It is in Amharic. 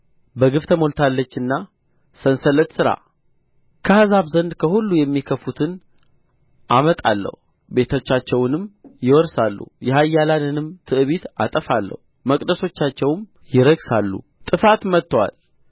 በግፍ ተሞልታለችና ሰንሰለት ሥራ ከአሕዛብ ዘንድ ከሁሉ የሚከፉትን አመጣለሁ ቤቶቻቸውንም ይወርሳሉ የኃያላንንም ትዕቢት አጠፋለሁ መቅደሶቻቸውም ይረክሳሉ ጥፋት መጥቶአል